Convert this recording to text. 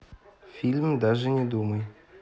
фильм даже не думай